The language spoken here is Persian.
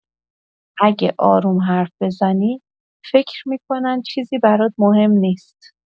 اگه آروم حرف بزنی، فکر می‌کنن چیزی برات مهم نیست.